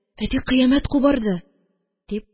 Әти кыямәт кубарды, – дип